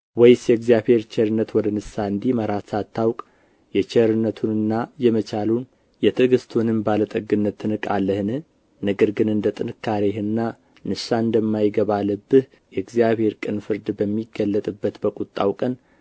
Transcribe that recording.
ወይስ የእግዚአብሔር ቸርነት ወደ ንስሐ እንዲመራህ ሳታውቅ የቸርነቱንና የመቻሉን የትዕግሥቱንም ባለጠግነት ትንቃለህን ነገር ግን እንደ ጥንካሬህና ንስሐ እንደማይገባ ልብህ የእግዚአብሔር ቅን ፍርድ በሚገለጥበት በቍጣ ቀን